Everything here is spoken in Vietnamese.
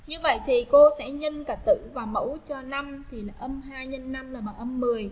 như vậy thì cô sẽ nhân cả tử và mẫu cho thì x là bằng